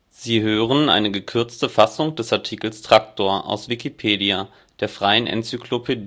Sie hören den Artikel Traktor, aus Wikipedia, der freien Enzyklopädie